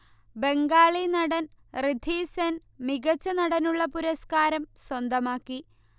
ബംഗാളി നടൻ ഋഥീസെൻ മികച്ച നടനുള്ള പുരസ്ക്കാരം സ്വന്തമാക്കി